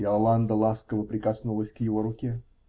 Иоланда ласково прикоснулась к его руке.